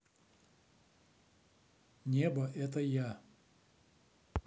небо это я